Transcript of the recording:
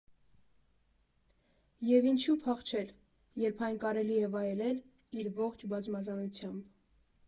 Եվ ինչու՞ փախչել, երբ այն կարելի է վայելել իր ողջ բազմազանությամբ։